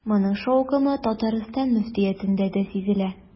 Моның шаукымы Татарстан мөфтиятендә дә сизелә.